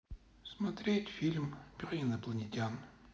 смотреть фильмы про инопланетян